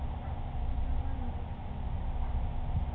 ты давай руки блядь